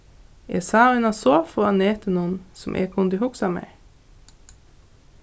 eg sá eina sofu á netinum sum eg kundi hugsað mær